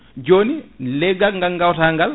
joni leggal ngal gawata ngal